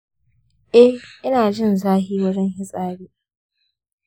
eh, inajin zafi wajen fitsari.